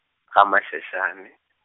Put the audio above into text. gaMashashane.